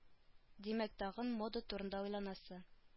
Димәк тагын мода турында уйланасы